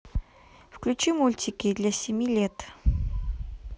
включи мультики для семи лет